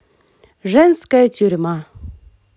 женская тюрьма